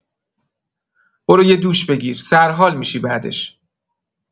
برو یه دوش بگیر، سر حال می‌شی بعدش!